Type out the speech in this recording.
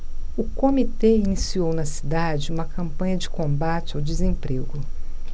o comitê iniciou na cidade uma campanha de combate ao desemprego